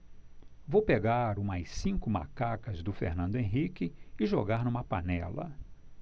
vou pegar umas cinco macacas do fernando henrique e jogar numa panela